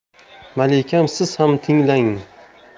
malikam siz ham tinglang